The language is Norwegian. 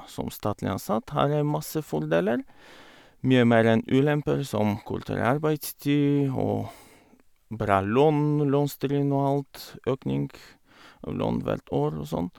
Som statlig ansatt har jeg masse fordeler, mye mer enn ulemper, som kortere arbeidstid og bra lønn, lønnstrinn og alt, økning av lønn hvert år og sånt.